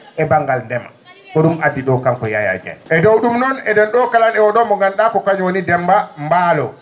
e ba?ngal ndema ko ?um addi ?oo kanko Yaya Dieng e dow ?um noon e?en ?oo kala e oo ?oo mbo nganndu?aa ko kañum woni Demmba Mbaalo